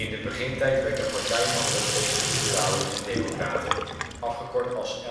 de begintijd werd de Partij van Europese Liberalen en Democraten afgekort als